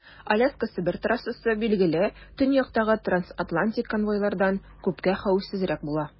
Аляска - Себер трассасы, билгеле, төньяктагы трансатлантик конвойлардан күпкә хәвефсезрәк була.